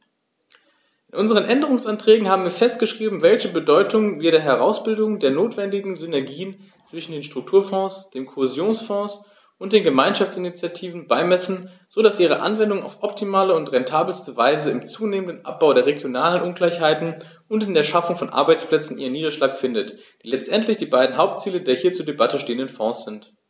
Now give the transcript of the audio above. In unseren Änderungsanträgen haben wir festgeschrieben, welche Bedeutung wir der Herausbildung der notwendigen Synergien zwischen den Strukturfonds, dem Kohäsionsfonds und den Gemeinschaftsinitiativen beimessen, so dass ihre Anwendung auf optimale und rentabelste Weise im zunehmenden Abbau der regionalen Ungleichheiten und in der Schaffung von Arbeitsplätzen ihren Niederschlag findet, die letztendlich die beiden Hauptziele der hier zur Debatte stehenden Fonds sind.